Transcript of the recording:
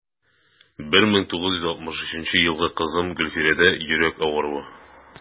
1963 елгы кызым гөлфирәдә йөрәк авыруы.